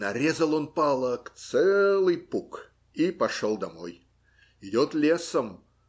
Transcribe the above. Нарезал он палок целый пук и пошел домой. Идет лесом